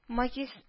Магис